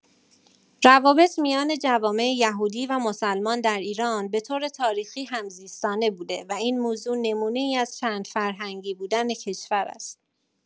روابط میان جوامع یهودی و مسلمان در ایران به‌طور تاریخی همزیستانه بوده و این موضوع نمونه‌ای از چندفرهنگی بودن کشور است.